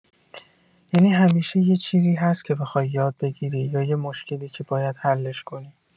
یعنی همیشه یه چیزی هست که بخوای یاد بگیری یا یه مشکلی که باید حلش کنی.